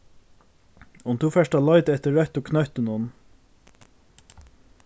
um tú fert at leita eftir røttu knøttunum